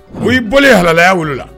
Ui bɔ halaya wulila la